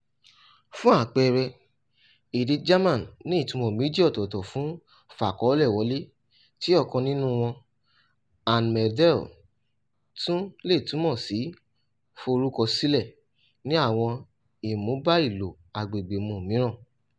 Fún àpẹẹrẹ, èdè German ní ìtumọ̀ méjì ọ̀tọ̀ọ̀tọ̀ fún "Fàkọọ́lẹ̀ wọlé", tí ọ̀kan nínú wọn (anmelden) tún lè túmọ̀ sí "Forúkọ sílẹ̀" ní àwọn ìmúbá-ìlò-agbègbèmu mìíràn